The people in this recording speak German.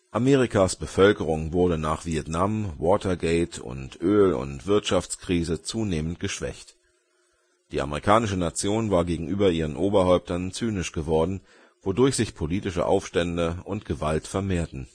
Amerikas Bevölkerung wurde nach Vietnam, Watergate und Öl - und Wirtschaftskrise zunehmend geschwächt. Die amerikanische Nation war gegenüber ihren Oberhäuptern zynisch geworden, wodurch sich politische Aufstände und Gewalt vermehrten